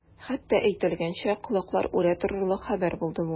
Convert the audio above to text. Хатта әйтелгәнчә, колаклар үрә торырлык хәбәр булды бу.